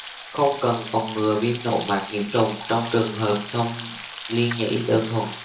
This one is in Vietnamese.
không cần phòng ngừa viêm nội mạc nhiễm trùng trong trường hợp thông liên nhĩ đơn thuần